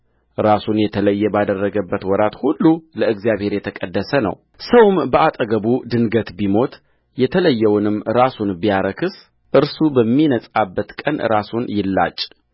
ራሱን የተለየ ባደረገበት ወራት ሁሉ ለእግዚአብሔር የተቀደሰ ነውሰውም በአጠገቡ ድንገት ቢሞት የተለየውንም ራሱን ቢያረክስ እርሱ በሚነጻበት ቀን ራሱን ይላጭ